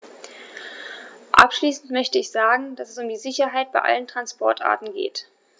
Abschließend möchte ich sagen, dass es um die Sicherheit bei allen Transportarten geht.